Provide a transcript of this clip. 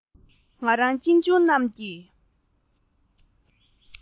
ང རང གཅེན གཅུང རྣམས ཀྱི